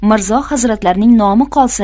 mirzo hazratlarining nomi qolsin